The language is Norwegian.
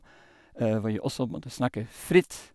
Hvor jeg også måtte snakke fritt.